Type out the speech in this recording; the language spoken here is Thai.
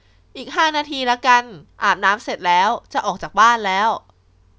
อาบน้ำเสร็จแล้วจะออกจากบ้านแล้ว